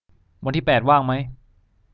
วันที่แปดว่างมั้ย